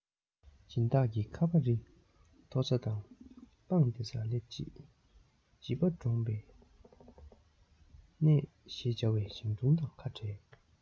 སྦྱིན བདག གི ཁ པ རི མཐོ ས དང སྤང བདེ སར སླེབས བྱིས པ གྲོངས པའི གནས ཤེས བྱ བའི ཞིང གྲོང དང ཁ བྲལ